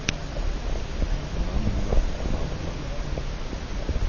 manna og mamma